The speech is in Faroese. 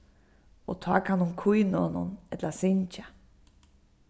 og tá kann hon kína honum ella syngja